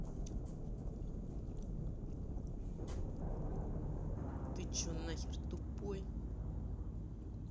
ты че нахер тупой